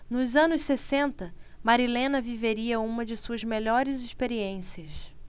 nos anos sessenta marilena viveria uma de suas melhores experiências